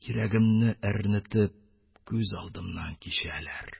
Йөрәгемне әрнетеп, күз алдымнан кичәләр.